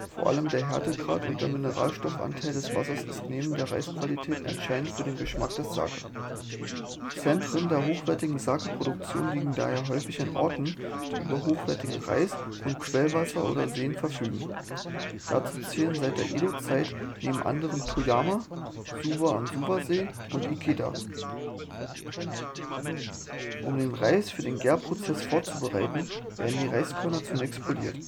Vor allem der Härtegrad und der Mineralstoffanteil des Wassers ist neben der Reisqualität entscheidend für den Geschmack des Sake. Zentren der hochwertigen Sake-Produktion liegen daher häufig an Orten, die über hochwertigen Reis und Quellwasser oder Seen verfügen. Dazu zählen seit der Edo-Zeit neben anderen Toyama, Suwa am Suwa-See und Ikeda. Nigori, grobgefilterter Sake Um den Reis für den Gärprozess vorzubereiten, werden die Reiskörner zunächst poliert